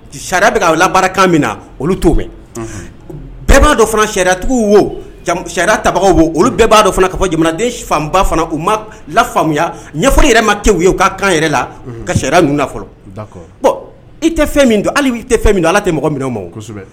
Sariya larakan min na olu' bɛɛ'dɔ fana sariya tugu sariya ta olu bɛɛ' fana ka fɔ jamanaden fanba fana u ma lamuya ɲɛfɔ yɛrɛ ma kɛ ye u ka kan yɛrɛ la ka sariya ninnu fɔlɔ i tɛ fɛn min i tɛ fɛn min don ala tɛ mɔgɔ min ma kosɛbɛ